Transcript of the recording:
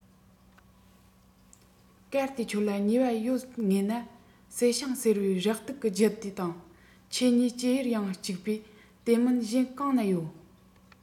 གལ ཏེ ཁྱོད ལ ཉེ བ ཡོད ངེས ན བསེ ཤིང ཟེར བའི རེག དུག གི རྒྱུ དེ དང ཁྱོད གཉིས སྐྱེ ཡུལ ཡང གཅིག པས དེ མིན གཞན གང ན ཡོད